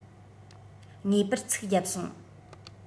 ངེས པར ཚིགས རྒྱབ སོང